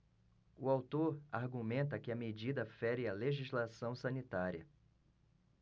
o autor argumenta que a medida fere a legislação sanitária